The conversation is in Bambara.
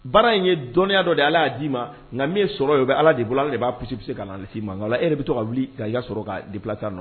Baara in ye dɔnniya dɔ de ala y'a di'i ma nka min sɔrɔ o bɛ ala de bɔra ala ale de b'a psi bɛ se ka' na ma e bɛ to ka wuli ka yaa sɔrɔ ka di bila tan na